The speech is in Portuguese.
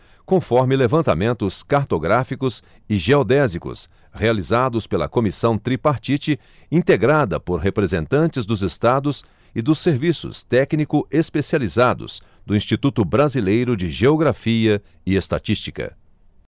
conforme levantamentos cartográficos e geodésicos realizados pela comissão tripartite integrada por representantes dos estados e dos serviços técnico especializados do instituto brasileiro de geografia e estatística